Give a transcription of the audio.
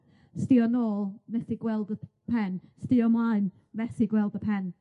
sbïo nôl, methu gweld y pen, sbïo mlaen, methu gweld y pen.